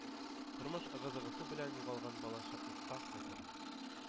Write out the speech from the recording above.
Тормыш ыгы-зыгысы белән югалган бала чаклыкка кайтара,